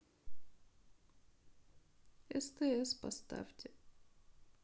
стс поставьте